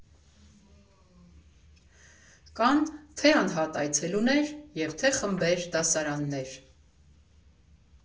Կան թե՛ անհատ այցելուներ և թե՛ խմբեր, դասարաններ։